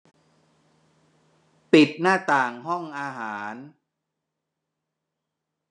ปิดหน้าต่างห้องอาหาร